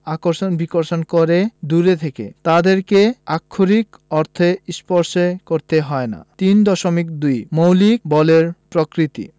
আকর্ষণ বিকর্ষণ করে দূর থেকে তাদেরকে আক্ষরিক অর্থে স্পর্শ করতে হয় না ৩.২ মৌলিক বলের প্রকৃতি